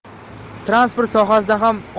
transport sohasida ham